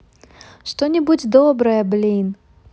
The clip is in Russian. что нибудь доброе блин